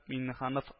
Миннеханов